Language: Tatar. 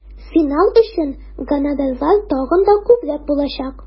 Финал өчен гонорарлар тагын да күбрәк булачак.